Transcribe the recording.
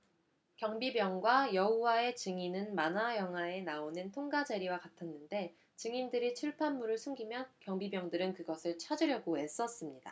경비병과 여호와의 증인은 만화 영화에 나오는 톰과 제리 같았는데 증인들이 출판물을 숨기면 경비병들은 그것을 찾으려고 애썼습니다